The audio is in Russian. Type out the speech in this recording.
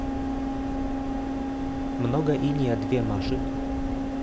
много инея две маши